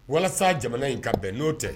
Walasa jamana in ka bɛn n'o tɛ